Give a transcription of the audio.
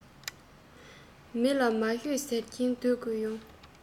མི ལ མ ཤོད ཟེར གྱིན སྡོད དགོས ཡོང